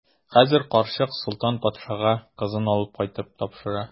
Хәзер карчык Солтан патшага кызын алып кайтып тапшыра.